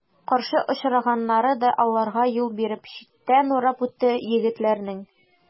Каршы очраганнары да аларга юл биреп, читтән урап үтте егетләрнең.